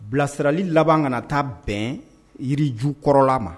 Bilasirali laban kana taa bɛn yiriju kɔrɔla ma